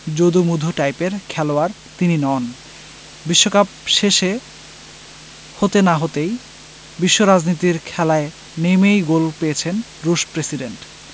যদু মধু টাইপের খেলোয়াড় তিনি নন বিশ্বকাপ শেষে হতে না হতেই বিশ্ব রাজনীতির খেলায় নেমেই গোল পেয়েছেন রুশ প্রেসিডেন্ট